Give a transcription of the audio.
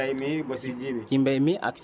ci fànn yëpp mbéy mi ba ci bi